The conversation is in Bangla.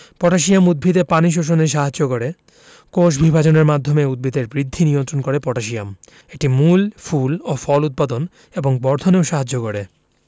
পটাশিয়াম উদ্ভিদে পানি শোষণে সাহায্য করে কোষবিভাজনের মাধ্যমে উদ্ভিদের বৃদ্ধি নিয়ন্ত্রণ করে পটাশিয়াম এটি মূল ফুল ও ফল উৎপাদন এবং বর্ধনেও সাহায্য করে